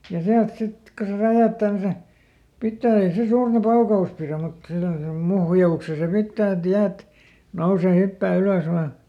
ja sieltä sitten kun se räjähtää niin se pitää ei se suurta paukaus pidä mutta semmoisen muhjauksen se pitää että jäät nousee hyppää ylös vain